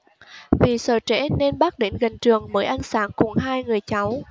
vì sợ trễ nên bác đến gần trường mới ăn sáng cùng hai người cháu